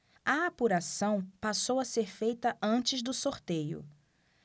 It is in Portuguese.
a apuração passou a ser feita antes do sorteio